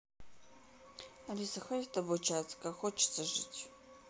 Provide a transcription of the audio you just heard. алиса хватит обучаться как хочется жить